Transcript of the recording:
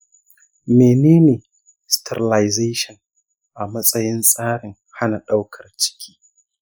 menene sterilization a matsayin tsarin hana daukar ciki?